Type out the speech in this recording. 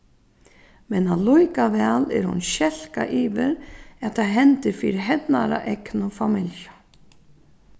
men allíkavæl er hon skelkað yvir at tað hendir fyri hennara egnu familju